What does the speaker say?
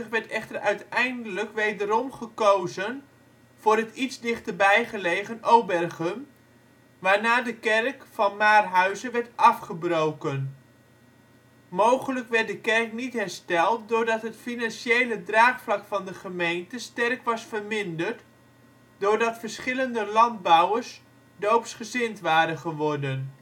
werd echter uiteindelijk wederom gekozen voor het iets dichterbij gelegen Obergum, waarna de kerk van Maarhuizen werd afgebroken. Mogelijk werd de kerk niet hersteld doordat het financiële draagvlak van de gemeente sterk was verminderd, doordat verschillende landbouwers doopsgezind waren geworden